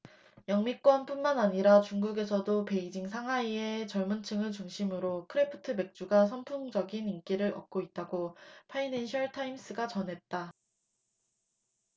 영미권뿐만 아니라 중국에서도 베이징 상하이의 젊은층을 중심으로 크래프트 맥주가 선풍적인 인기를 얻고 있다고 파이낸셜타임스가 전했다